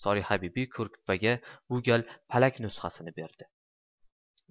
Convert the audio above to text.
solixabibi ko'rpaga bu gal palak nusxasini berdi